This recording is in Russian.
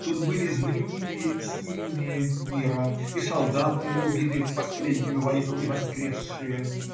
Тут были знаменитые и сильные мира и солдаты, убитые в последнюю войну и воскресшие.